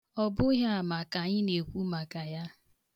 Ọ bụghị ama ka anyị na-ekwu maka ya.